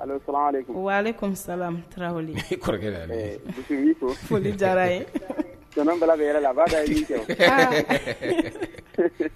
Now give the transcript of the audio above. Ale